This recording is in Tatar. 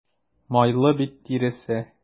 Майлы бит тиресе.